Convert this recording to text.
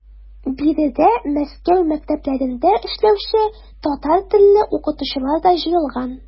Биредә Мәскәү мәктәпләрендә эшләүче татар телле укытучылар да җыелган.